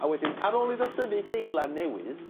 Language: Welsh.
a wedyn ar ôl i ddo dyfu deilan newydd